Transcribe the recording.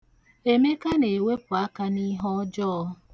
Emeka na-ewepụ aka n'ihe ọjọọ.